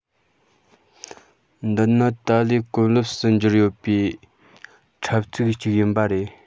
འདི ནི ཏཱ ལའི གོམས ལོབས སུ གྱུར ཡོད པའི འཁྲབ ཚིག ཅིག ཡིན པ རེད